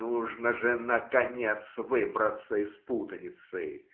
- нужно же, наконец, выбраться из путаницы.